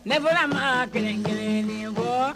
Ne fɔra ma kelen kelen kɔ